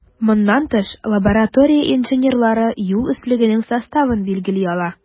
Моннан тыш, лаборатория инженерлары юл өслегенең составын билгели ала.